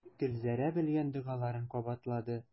Гөлзәрә белгән догаларын кабатлады.